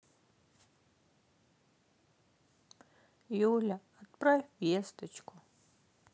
юля отправь весточку